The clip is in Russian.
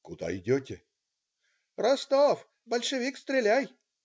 "Куда идете?" - "Ростов, бальшевик стреляй".